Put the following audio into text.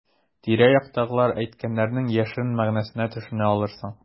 Тирә-яктагылар әйткәннәрнең яшерен мәгънәсенә төшенә алырсың.